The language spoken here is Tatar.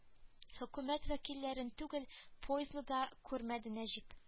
Хөкүмәт вәкилләрен түгел поездны да күрмәде нәҗип